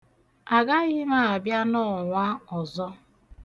Agaghị m abịa nọọnwa ọzọ.